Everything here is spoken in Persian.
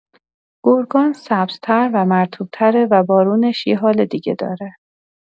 گرگان سبزتر و مرطوب‌تره و بارونش یه حال دیگه داره.